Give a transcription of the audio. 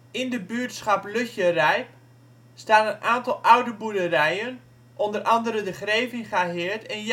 In het buurtschap Lutjerijp staan een aantal oude boerderijen (onder andere de Grevingaheerd en